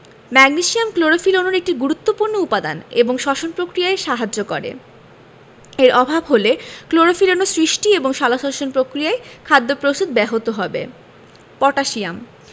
magnesium chlorophyll অণুর একটি গুরুত্বপুর্ণ উপাদান এবং শ্বসন প্রক্রিয়ায় সাহায্য করে এর অভাব হলে ক্লোরোফিল অণু সৃষ্টি এবং সালোকসংশ্লেষণ প্রক্রিয়ায় খাদ্য প্রস্তুত ব্যাহত হবে পটাশিয়াম